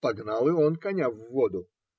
Погнал и он коня в воду.